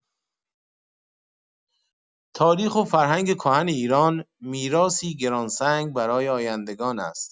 تاریخ و فرهنگ کهن ایران، میراثی گران‌سنگ برای آیندگان است.